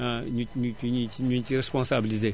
ñi ñu ci ñi ñu ci ñi ñu ci responsabilisé